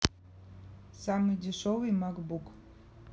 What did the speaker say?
самый дешевый макбук